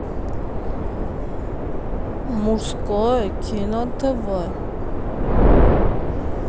мужское кино тв